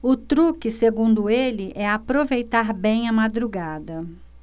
o truque segundo ele é aproveitar bem a madrugada